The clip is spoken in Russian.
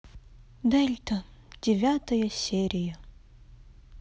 дельта девятая серия